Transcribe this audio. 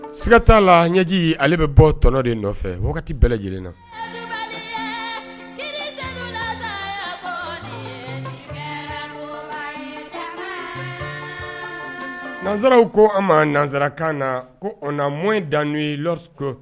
Siga t'a la ɲɛji ale bɛ bɔ tɔɔnɔ de fɛ wagati bɛɛ lajɛlenna nanzsaraww ko an ma nanzsarakakan na ko o na mɔn in dan lati